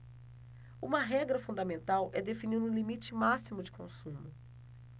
uma regra fundamental é definir um limite máximo de consumo